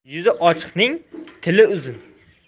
yuzi ochiqning till uzun